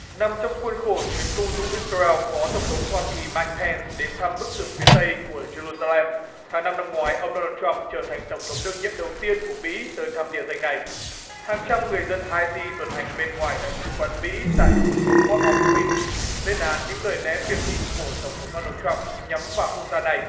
nằm trong khuôn khổ chuyến công du ích sa reo phó tổng thống hoa kỳ mai pen đến thăm bức tường phía tây của giê ru sa lem tháng năm năm ngoái ông đo nồ troăm trở thành tổng thống đương nhiệm đầu tiên của mỹ tới thăm địa danh này hàng trăm người dân hai ti tuần hành bên ngoài đại sứ quán mỹ tại thủ đô pót ọp pin lên án những lời lẽ miệt thị của tổng thống đo nồ troăm nhắm vào quốc gia này